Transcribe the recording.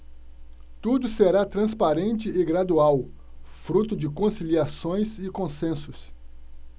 tudo será transparente e gradual fruto de conciliações e consensos